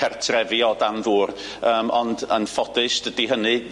cartrefi o dan ddŵr yym ond yn ffodus dydi hynny